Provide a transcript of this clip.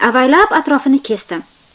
avaylab atrofini kesdim